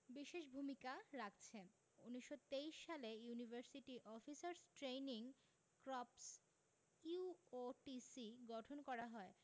বিশেষ ভূমিকা রাখছে ১৯২৩ সালে university officers training corps UOTC গঠন করা হয়